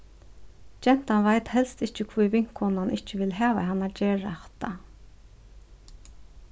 gentan veit helst ikki hví vinkonan ikki vil hava hana at gera hatta